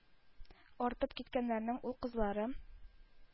Артып киткәннәренең ул-кызлары